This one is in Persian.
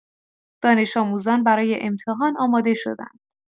دانش‌آموزان برای امتحان آماده شدند.